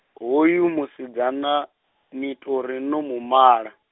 hoyu musidzana, ni ṱori no mumala.